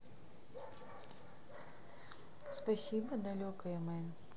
спасибо далекая моя